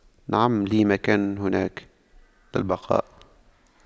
نعم لي مكان هناك للبقاء